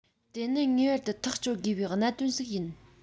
དེ ནི ངེས པར དུ ཐག གཅོད དགོས པའི གནད དོན ཞིག ཡིན